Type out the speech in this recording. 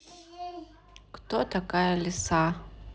кто такая лиса